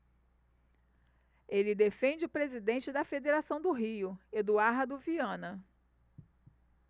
ele defende o presidente da federação do rio eduardo viana